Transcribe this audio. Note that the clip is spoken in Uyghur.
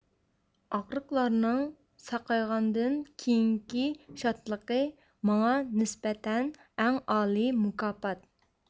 ئاغرىقلارنىڭ ساقايغاندىن كېيىنكى شاتلىقى ماڭا نىسبەتەن ئەڭ ئالىي مۇكاپات